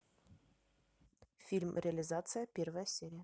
фильм реализация первая серия